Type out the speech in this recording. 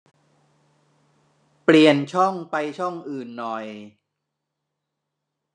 เปลี่ยนช่องไปช่องอื่นหน่อย